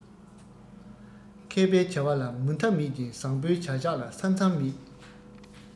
མཁས པའི བྱ བ ལ མུ མཐའ མེད ཅིང བཟང པོའི བྱ བཞག ལ ས མཚམས མེད